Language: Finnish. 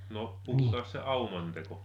no puhutaanpas se aumanteko